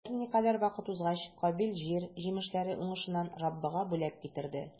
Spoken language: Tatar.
Берникадәр вакыт узгач, Кабил җир җимешләре уңышыннан Раббыга бүләк китерде.